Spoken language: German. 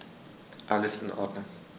Alles in Ordnung.